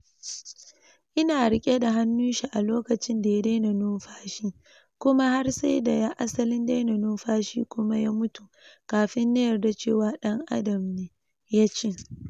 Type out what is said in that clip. “Ina rike da hannun shi a lokacin da ya daina nunfashi kuma har sai da ya asalin daina numfashi kuma ya mutu kafin na yarda cewa dan Adam ne,” ya ce.